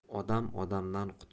odam odamdan qutular